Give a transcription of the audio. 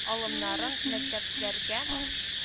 Лымнарын мәктәпләргә к